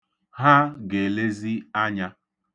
Ha ga-elezi anya.